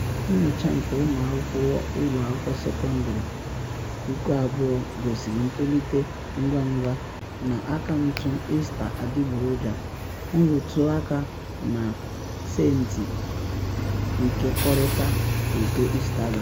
Nyocha nke ụmụ akwụkwọ ụlọ akwụkwọ sekọndịrị 20,000 gosiri ntolite ngwangwa n’akaụntụ “Insta adịgboroja” - nrụtụ aka na saịtị nkekọrịta-foto Instagram.